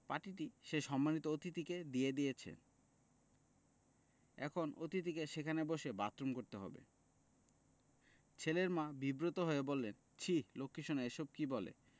পটিটি সে সম্মানিত অতিথিকে দিয়ে দিয়েছে এখন অতিথিকে সেখানে বসে বাথরুম করতে হবে ছেলের মা বিব্রত হয়ে বললেন ছিঃ লক্ষীসোনা এসব কি বলে